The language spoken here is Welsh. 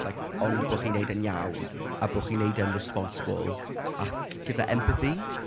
Like ond bod chi'n wneud e'n iawn a bo' chi'n wneud e'n responsible ac gyda empathi.